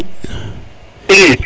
i